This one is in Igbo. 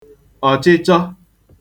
ọ̀chịchọ